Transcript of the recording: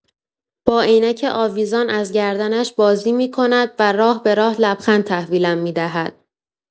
با عینک آویزان از گردنش بازی می‌کند و راه‌به‌راه لبخند تحویلم می‌دهد.